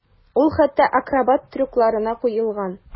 Ул хәтта акробат трюкларына куелган.